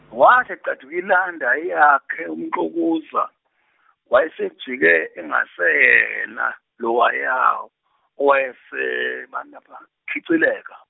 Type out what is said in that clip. wathi eqeda ukuyilanda eyakhe uMxukuza, wayesejikile engaseyena lowaya, owayese- khicileka.